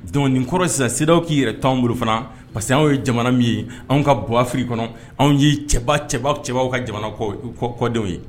Donc nin kɔrɔ ye sisan CDEAO k'i yɛrɛ to anw bolo fana parce que anw ye jamana min ye anw ka bon Afrique kɔnɔ anw ye cɛba cɛba cɛbaw ka jamana kɔ y u kɔ kɔdenw ye